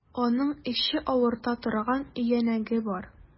Аның эче авырта торган өянәге бар.